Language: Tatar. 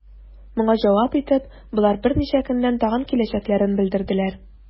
Моңа җавап итеп, болар берничә көннән тагын киләчәкләрен белдерделәр.